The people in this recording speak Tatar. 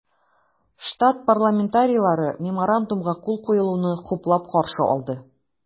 Штат парламентарийлары Меморандумга кул куелуны хуплап каршы алды.